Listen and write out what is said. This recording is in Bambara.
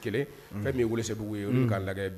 Fɛn min ye weele se ye ka lajɛ